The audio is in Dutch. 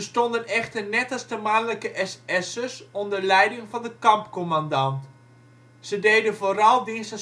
echter net als de mannelijke SS'ers onder leiding van de kampcommandant. Ze deden vooral dienst